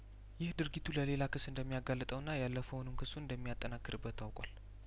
ይህ ድርጊቱ ለሌላ ክስ እንደሚያጋልጠውና ያለፈውንም ክሱን እንደሚያጠናክርበት ታውቋል